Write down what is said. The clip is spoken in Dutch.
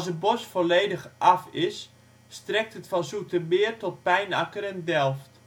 bos volledig af is, strekt het van Zoetermeer, tot Pijnacker en Delft